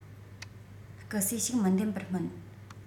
སྐུ སྲས ཞིག མི འདེམ པར སྨོན